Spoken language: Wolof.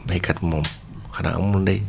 béykat moom xanaa amul ndey